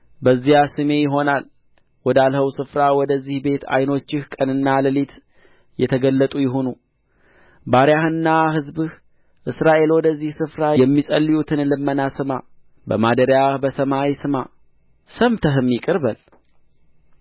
በዚያ ስሜ ይሆናል ወዳልኸው ስፍራ ወደዚህ ቤት ዓይኖችህ ቀንና ሌሊት የተገለጡ ይሁኑ ባሪያህና ሕዝብህ እስራኤል ወደዚህ ስፍራ የሚጸልዩትን ልመና ስማ በማደሪያህ በሰማይ ስማ ሰምተህም ይቅር በል